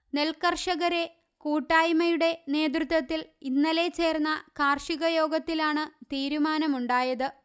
നെല്ക്കര്ഷകരെ കൂട്ടായ്മയുടെ നേതൃത്വത്തില് ഇന്നലെ ചേര്ന്ന കാര്ഷിക യോഗത്തിലാണ് തീരുമാനമുണ്ടായത്